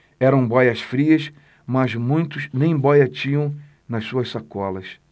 eram bóias-frias mas muitos nem bóia tinham nas suas sacolas